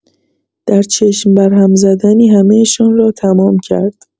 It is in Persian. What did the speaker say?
در چشم بر هم زدنی همه‌شان را تمام کرد!